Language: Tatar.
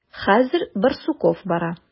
Хәзер Барсуков бара.